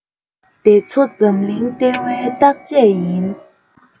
དེ ཚོ འཛམ གླིང ལྟེ བའི བརྟག དཔྱད ཡིན